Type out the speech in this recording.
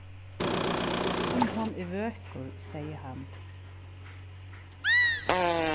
sum hon er vøkur segði hann